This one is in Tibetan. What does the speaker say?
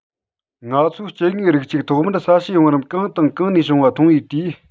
ང ཚོས སྐྱེ དངོས རིགས གཅིག ཐོག མར ས གཤིས བང རིམ གང དང གང ནང བྱུང བ མཐོང བའི དུས